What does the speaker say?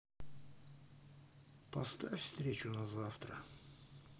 поставь встречу на завтра